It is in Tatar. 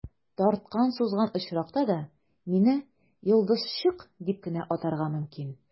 Тарткан-сузган очракта да, мине «йолдызчык» дип кенә атарга мөмкин.